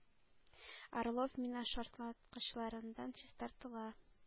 Орлов минашартлаткычлардан чистартыла.